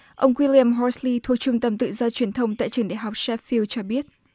ông guy li ừm hót li thôi trung tâm tự do truyền thông tại trường đại học sen phiu cho biết